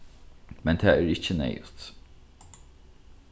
men tað er ikki neyðugt